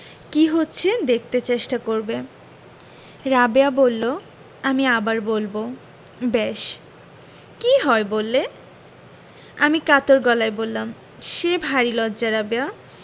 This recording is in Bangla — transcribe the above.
কি হচ্ছে দেখতে চেষ্টা করবে রাবেয়া বললো আমি আবার বলবো বেশ কি হয় বললে আমি কাতর গলায় বললাম সে ভারী লজ্জা রাবেয়া